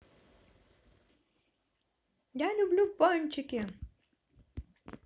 я люблю пончики